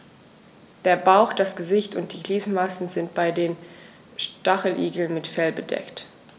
Der Bauch, das Gesicht und die Gliedmaßen sind bei den Stacheligeln mit Fell bedeckt.